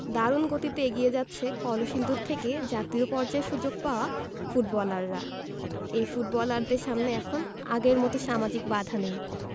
দারুণ গতিতে এগিয়ে যাচ্ছে কলসিন্দুর থেকে জাতীয় পর্যায়ে সুযোগ পাওয়া ফুটবলাররা এই ফুটবলারদের সামনে এখন আগের মতো সামাজিক বাধা নেই